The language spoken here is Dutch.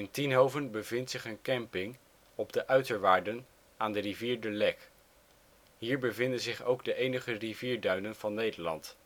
Tienhoven bevindt zich een camping op de uiterwaarden aan de rivier de Lek. Hier bevinden zich ook de enige rivierduinen van Nederland